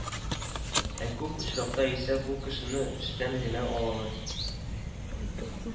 Ә күп очракта исә бу кешене эштән генә алалар